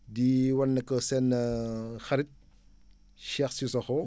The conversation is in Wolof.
di woon nag seen xarit Cheikh Cissokho